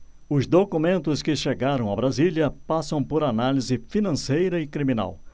os documentos que chegaram a brasília passam por análise financeira e criminal